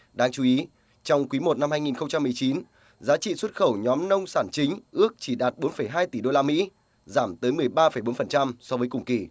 đáng chú ý trong quý một năm hai nghìn không trăm mười chín giá trị xuất khẩu nhóm nông sản chính ước chỉ đạt bốn phẩy hai tỷ đô la mỹ giảm tới mười ba phẩy bốn phần trăm so với cùng kỳ